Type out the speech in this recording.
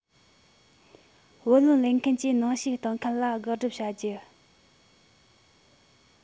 བུ ལོན ལེན མཁན གྱིས ནང བཤུག གཏོང མཁན ལ དགག སྒྲུབ བྱ རྒྱུ